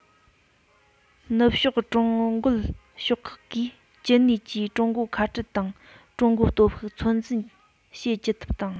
ནུབ ཕྱོགས ཀྲུང རྒོལ ཕྱོགས ཁག གིས ཅི ནུས ཀྱིས ཀྲུང གོ ཁ བྲལ དང ཀྲུང གོའི སྟོབས ཤུགས ཚོད འཛིན བྱེད ཅི ཐུབ དང